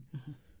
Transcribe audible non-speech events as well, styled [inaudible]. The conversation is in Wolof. [hesitation] [hesitation]